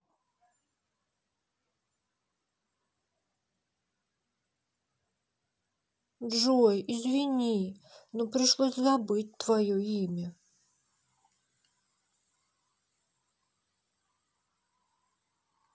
джой извини но пришлось забыть твое имя